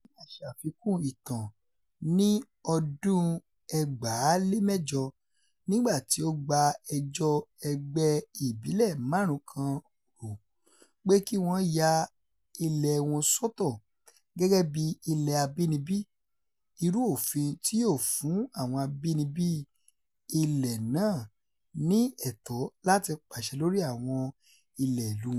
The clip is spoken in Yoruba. Joênia ṣe àfikún ìtàn ní ọdún-un 2008 nígbà tí ó gba ẹjọ́ ẹgbẹ́ ìbílẹ̀ márùn-ún kan rò, pé kí wọn ya ilẹ̀ẹ wọn sọ́tọ̀ gẹ́gẹ́ bí ilẹ̀ abínibí, irú òfin tí yóò fún àwọn abínibí ilẹ̀ náà ní ẹ̀tọ́ láti pàṣẹ lórí àwọn ilẹ̀ ìlúu wọn.